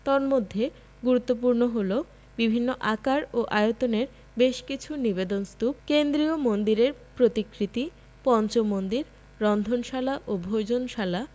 তন্মধ্যে গুরুত্বপূর্ণ হলো বিভিন্ন আকার ও আয়তনের বেশ কিছু নিবেদন স্তূপ কেন্দ্রীয় মন্দিরের প্রতিকৃতি পঞ্চ মন্দির রন্ধনশালা ও ভোজনশালা